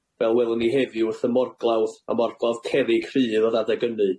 fel welwn ni heddiw wrth y morglawdd, a morglawdd cerrig rhydd o'dd adeg 'ynny.